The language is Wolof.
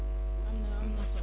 am na am na solo